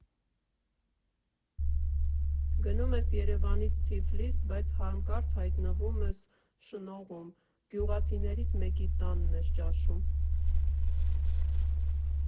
Գնում ես Երևանից Թիֆլիս, բայց հանկարծ հայտնվում ես Շնողում՝ գյուղացիներից մեկի տանն ես ճաշում։